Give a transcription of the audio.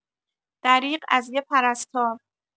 دریغ از یه پرستار